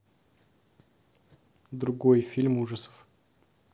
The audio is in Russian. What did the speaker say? другой фильм ужасов